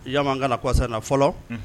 Ya kana na kɔsan na fɔlɔ